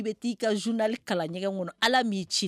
I bɛ t'i ka journal kalan ɲɛgɛn kɔnɔ, Ala m'i ci